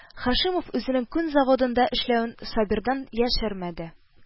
Һашимов үзенең күн заводында эшләвен Сабир-дан яшермәде